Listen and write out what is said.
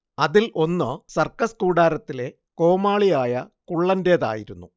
അതിൽ ഒന്ന് സർക്കസ് കൂടാരത്തിലെ കോമാളിയായ കുള്ളന്റേതായിരുന്നു